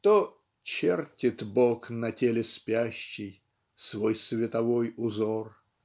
то "чертит Бог на теле спящей свой световой узор"